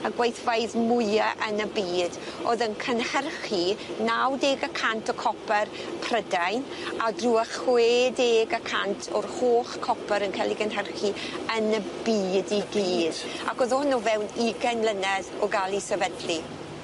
y gweithfeydd mwya yn y byd o'dd yn cynhyrchu naw deg y cant o copyr Prydain a drwa chwe deg y cant o'r holl copyr yn ca'l 'i gynhyrchu yn y byd i gyd. Ag o'dd o'n o fewn ugain mlynedd o ga'l 'i sefydlu.